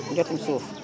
jotin suuf